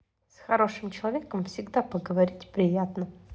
с хорошим человеком всегда поговорить приятно